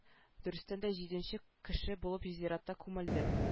Дөрестән дә җиденче кеше булып зиратта күмелде